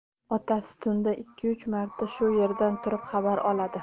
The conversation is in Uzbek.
otasi tunda ikki uch marta shu yerdan turib xabar oladi